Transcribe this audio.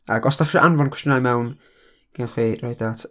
Ac os dach chi isio anfon cwestiynau i mewn, gewch chi roid o at